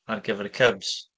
Ar gyfer y cubs.